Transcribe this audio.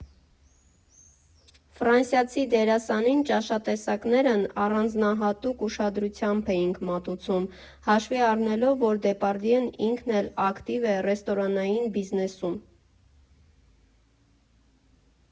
Ֆրանսիացի դերասանին ճաշատեսակներն առանձնահատուկ ուշադրությամբ էինք մատուցում՝ հաշվի առնելով, որ Դեպարդյեն ինքն էլ ակտիվ է ռեստորանային բիզնեսում։